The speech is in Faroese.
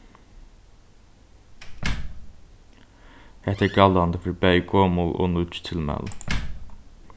hetta er galdandi fyri bæði gomul og nýggj tilmæli